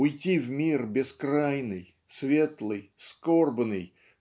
Уйти в мир бескрайный, светлый, скорбный